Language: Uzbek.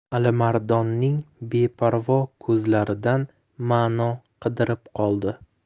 alimardonning beparvo ko'zlaridan ma'no qidirib qoldi